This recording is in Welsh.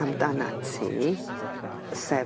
amdanat ti sef...